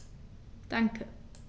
Danke.